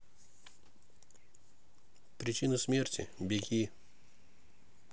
причина смерти беги